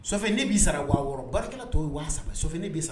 So ne b'i sara waa barika tɔw ye waa so bɛ sara